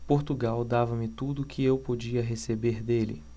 portugal dava-me tudo o que eu podia receber dele